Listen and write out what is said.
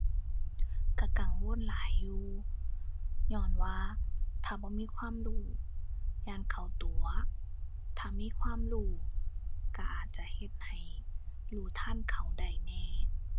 ก็กังวลหลายอยู่ ญ้อนว่าถ้าบ่มีความรู้ ย้านเขาตั๋ว ถ้ามีความรู้ก็อาจจะเฮ็ดให้รู้ทันเขาได้แหน่